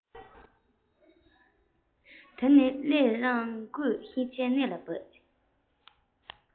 ད ནི སླད རང དགོས ཤེས བྱའི གནས ལ འབད